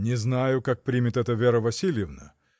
— Не знаю, как примет это Вера Васильевна.